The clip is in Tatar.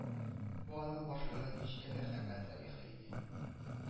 Бу аның башыннан кичкән мәхәббәт тарихы иде